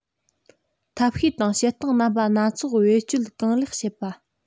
ཐབས ཤེས དང བྱེད སྟངས རྣམ པ སྣ ཚོགས བེད སྤྱོད གང ལེགས བྱེད པ